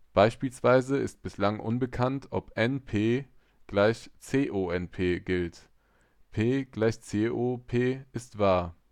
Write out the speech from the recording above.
Beispielsweise ist bislang unbekannt, ob NP = CoNP gilt. P = CoP ist wahr